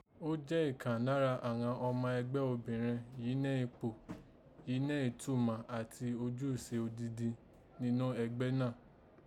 Ó jẹ́ ìkan nara àghan ọma ẹgbẹ́ obìnrẹn yìí nẹ́ ikpò yìí nẹ́ ìtúmà àti ojúse odindin ninọ́ ẹgbẹ́ náà